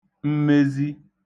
mmezi